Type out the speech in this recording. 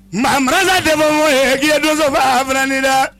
Mba marasa tɛ fɔ maa ye k'i ye donso fa fɛɛrɛni ye dɛ